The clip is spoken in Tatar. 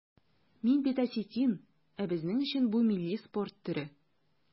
Мин бит осетин, ә безнең өчен бу милли спорт төре.